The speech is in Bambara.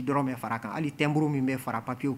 Dɔrɔn mɛn fara kan hali tburu min bɛ fara papiwu